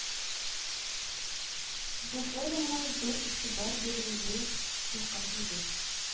Бу форумга зур игътибар бирелү юкка түгел